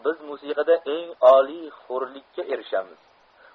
biz musiqada eng oliy hurlikka erishamiz